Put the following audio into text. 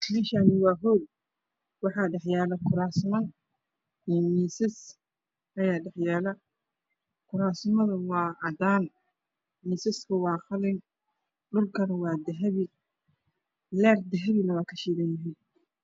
Meshani waa hool waxa dhexyaalo kuraasman iyo miisas kuraasmada waa cadan meesakuno waa qalin leyr qalinagne wuu kashidanyhy